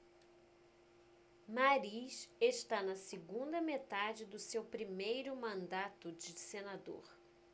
mariz está na segunda metade do seu primeiro mandato de senador